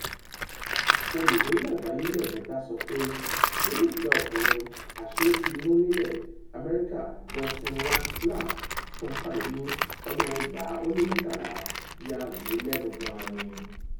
Olùborí lágbàáyé lẹ́ẹ̀mẹtà sọ pé níní ìfẹ́ ọkùnrin - Aṣefíìmù nílẹ̀ Amẹ́ríkà Dustin Lance Black, tí òun pàdé ní 2013 - “yá mí lẹ́nu gan an ni."